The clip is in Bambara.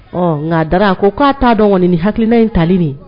Ɔ ŋa Dara a ko ko a t'a dɔn ŋɔni nin hakilinan in tali nin